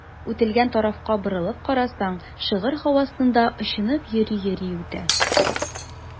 Үтелгән тарафка борылып карасаң, шигырь һавасында очынып йөри-йөри үтә.